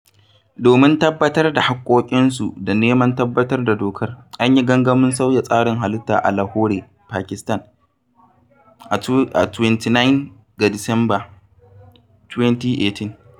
Domin tabbatar da haƙƙoƙinsu da neman tabbatar da dokar, an yi gangamin sauya tsarin halitta a Lahore, Pakistan, a 29 ga Disamban 2018.